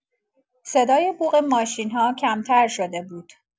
صدای بوق ماشین‌ها کمتر شده بود.